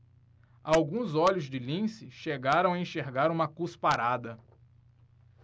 alguns olhos de lince chegaram a enxergar uma cusparada